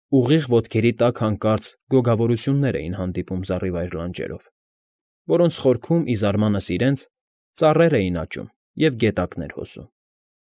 Ուղիղ ոտքերի տակ հանկարծ գոգավորություններ էին հանդիպում զառիվայր լանջերով, որոնց խորքում, ի զարմանք իրենց, ծառեր էին աճում և գետակներ հոսում։